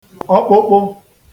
ọkpụkpụ